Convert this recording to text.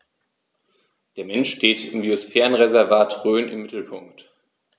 Der Mensch steht im Biosphärenreservat Rhön im Mittelpunkt.